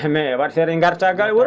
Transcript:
mais wa? feere ngartaa gaa e wuro